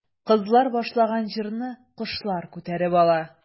Кызлар башлаган җырны кошлар күтәреп ала.